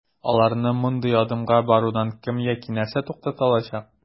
Аларны мондый адымга барудан кем яки нәрсә туктата алачак?